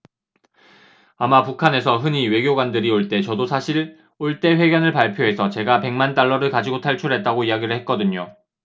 아마 북한에서 흔히 외교관들이 올 때 저도 사실 올 때 회견을 발표해서 제가 백 만 달러를 가지고 탈출했다고 이야기를 했거든요